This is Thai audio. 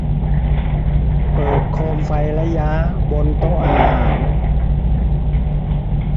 เปิดโคมไฟระย้าบนโต๊ะอาหาร